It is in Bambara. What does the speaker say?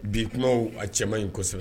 Bi kumaw a cɛman ɲi kosɛbɛ.